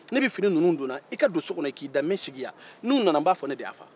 n bɛ fini ninnu don n na e ka don so kɔnɔ i ka t'i da n sigi yan n'u nana n b'a fɔ ne de y'a faa